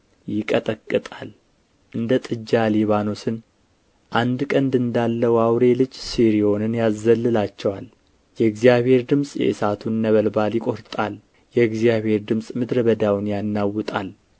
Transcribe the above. ይቀጠቅጣል እንደ ጥጃ ሊባኖስን አንድ ቀን እንዳለው አውሬ ልጅ ስርዮንን ያዘልላቸዋል የእግዚአብሔር ድምፅ የእሳቱን ነበልባል ይቈርጣል የእግዚአብሔር ድምፅ ምድረ በዳውን ያናውጣል